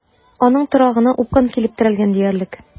Аның торагына упкын килеп терәлгән диярлек.